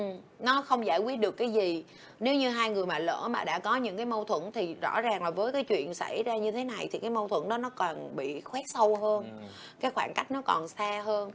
ừ nó không giải quyết được cái gì nếu như hai người mà lỡ mà đã có những mâu thuẫn thì rõ ràng với cái chuyện xảy ra như thế này thì mâu thuẫn nó còn bị khoét sâu hơn cái khoảng cách nó còn xa hơn